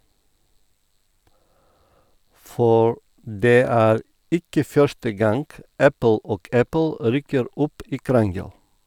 For det er ikke første gang Apple og Apple ryker opp i krangel.